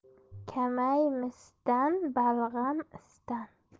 kamay misdan balg'am isdan